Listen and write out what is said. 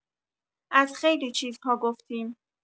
از خیلی چیزها گفتیم.